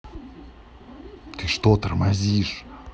ты что тормозишь